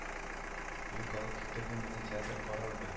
Юк алып китте бу мине театр карарга